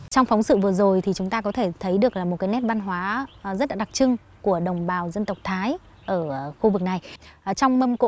trong phóng sự vừa rồi thì chúng ta có thể thấy được là một cái nét văn hóa rất là đặc trưng của đồng bào dân tộc thái ở khu vực này ờ trong mâm cỗ